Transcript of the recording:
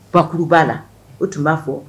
Bakuruba la, o tun b'a fɔ